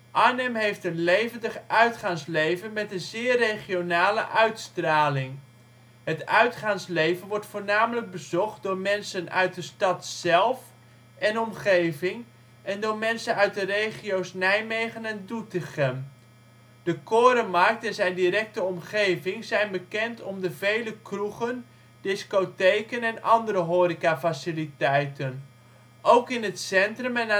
Arnhem heeft een levendig uitgaansleven met een zeer regionale uitstraling. Het uitgaansleven wordt voornamelijk bezocht door mensen uit de stad zelf en omgeving, en door mensen uit de regio ` s Nijmegen en Doetinchem. De Korenmarkt en zijn directe omgeving zijn bekend om de vele kroegen, discotheken en andere horeca faciliteiten. Ook in het centrum en